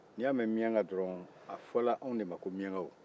n'i y'a mɛn miyanka dɔrɔn a fɔra anw de ma ko miyanka